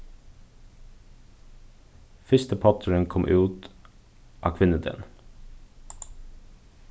fyrsti poddurin kom út á kvinnudegnum